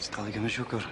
Ti dal i gymryd siwgr?